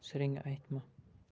ham siring aytma